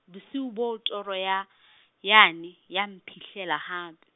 bosiung boo toro ya , yane, ya mphihlela hape.